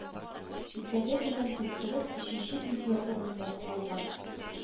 Исәбе белән оттырып, өченче призлы урынны алган.